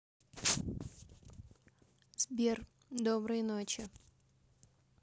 сбер доброй ночи